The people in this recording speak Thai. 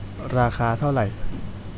ราคาเท่าไร